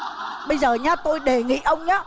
bây giờ nhá tôi đề nghị ông nhá